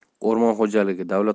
o'rmon xo'jaligi davlat